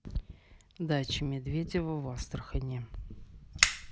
дача медведева в астрахани